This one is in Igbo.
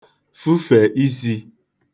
fufè isī